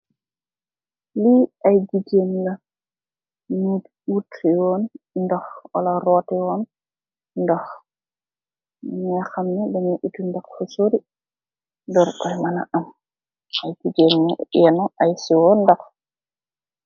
Lee aye jegain la yu ote won ndokh wala rootewon ndokh nuga hamne danuy ote ndokh fu suuri dorrkoye mana am aye jegain yu yenu aye sewu ndokh.